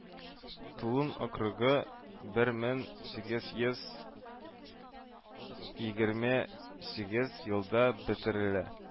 Тулун округы бер мең сигез йөз егерме сигез елда бетерелә